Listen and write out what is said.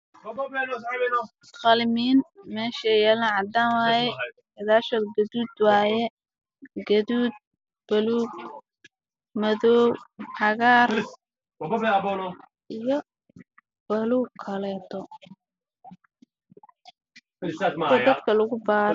Qalimiin meel cadaan yaalo waana guduud madow jaale iwn